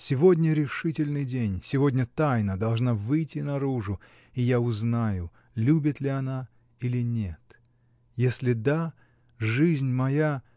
Сегодня решительный день, сегодня тайна должна выйти наружу, и я узнаю. любит ли она или нет? Если да, жизнь моя.